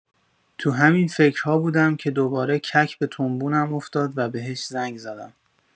تو همین فکرها بودم که دوباره کک به تنبونم افتاد و بهش زنگ زدم.